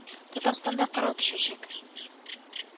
Татарстанда кырау төшәчәк